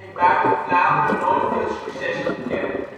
buiten Vlaanderen nooit veel succes gekend